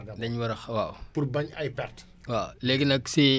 waaw léegi nag si pour si façon bu gën a leer